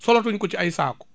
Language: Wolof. solatuñ ko ci ay saako